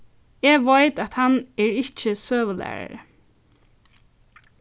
eg veit at hann er ikki søgulærari